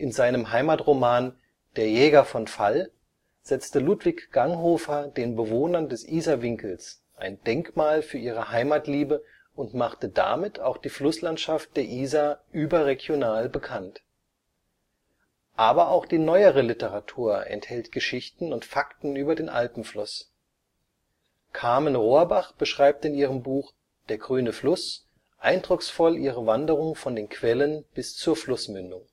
seinem Heimatroman Der Jäger von Fall setzte Ludwig Ganghofer den Bewohnern des Isarwinkels ein Denkmal für ihre Heimatliebe und machte damit auch die Flusslandschaft der Isar überregional bekannt. Aber auch die neuere Literatur enthält Geschichten und Fakten über den Alpenfluss. Carmen Rohrbach beschreibt in ihrem Buch Der grüne Fluss eindrucksvoll ihre Wanderung von den Quellen bis zur Flussmündung